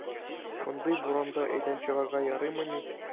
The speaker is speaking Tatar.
Мондый буранда өйдән чыгарга ярыймыни!